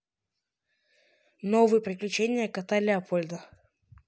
новые приключения кота леопольда